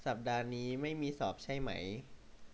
สัปดาห์นี้ไม่มีสอบใช่ไหม